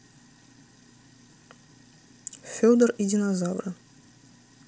федор и динозавры